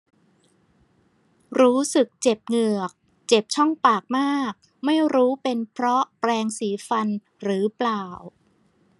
รู้สึกเจ็บเหงือกเจ็บช่องปากมากไม่รู้เป็นเพราะแปรงสีฟันหรือเปล่า